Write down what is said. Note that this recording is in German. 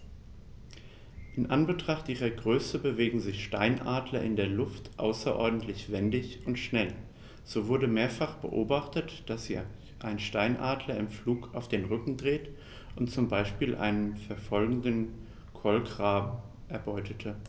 In Anbetracht ihrer Größe bewegen sich Steinadler in der Luft außerordentlich wendig und schnell, so wurde mehrfach beobachtet, wie sich ein Steinadler im Flug auf den Rücken drehte und so zum Beispiel einen verfolgenden Kolkraben erbeutete.